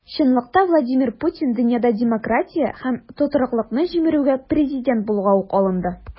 Чынлыкта Владимир Путин дөньяда демократия һәм тотрыклылыкны җимерүгә президент булуга ук алынды.